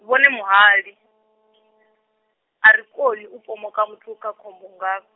vhone muhali, a ri koni u pomoka muthu kha khombo ngaf-.